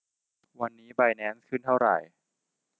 วันนี้ไบแนนซ์ขึ้นเท่าไหร่